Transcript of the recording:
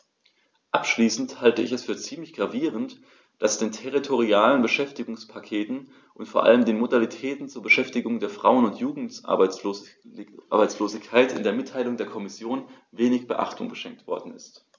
Abschließend halte ich es für ziemlich gravierend, dass den territorialen Beschäftigungspakten und vor allem den Modalitäten zur Bekämpfung der Frauen- und Jugendarbeitslosigkeit in der Mitteilung der Kommission wenig Beachtung geschenkt worden ist.